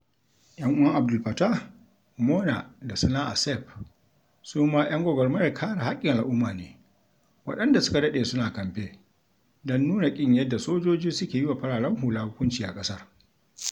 Yan'uwan Abd El Fattah, Mona da Sanaa Seif, su ma 'yan gwagwarmayar kare haƙƙin al'umma ne waɗanda suka daɗe suna kamfe don nuna ƙin yadda sojoji suke yi wa fararen hula hukunci a ƙasar.